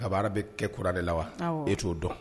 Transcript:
Ka baara bɛ kɛ kura de la wa e t'o dɔn